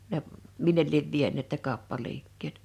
ne minne lie vieneet ne kauppaliikkeet